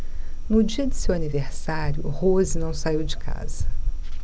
no dia de seu aniversário rose não saiu de casa